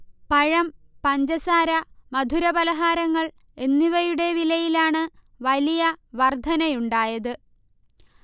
പഴം, പഞ്ചസാര, മധുര പലഹാരങ്ങൾ എന്നിവയുടെ വിലയിലാണ് വലിയ വർധനയുണ്ടായത്